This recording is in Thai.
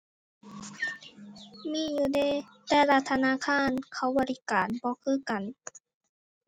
มีอยู่เดะ แต่ละธนาคารเขาบริการบ่คือกัน